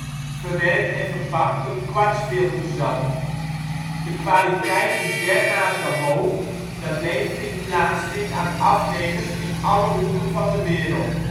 verwerkt en verpakt tot kwartsfilterzand. De kwaliteit is dermate hoog dat levering plaats vindt aan afnemers in alle hoeken van de wereld